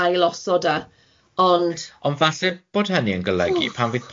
ail-osod e, ond... Ond falle bod hynny yn golygu pan fydd